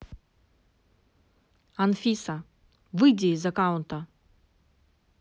анфиса выйди из аккаунта